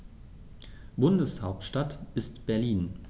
Bundeshauptstadt ist Berlin.